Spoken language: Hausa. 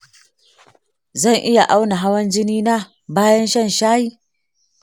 zan iya auna hawan jini na bayan shan shayi?